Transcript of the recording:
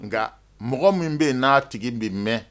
Nka, mɔgɔ min bɛ yen n'a tigi bɛ mɛn